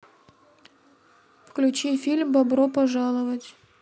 включи фильм бобро пожаловать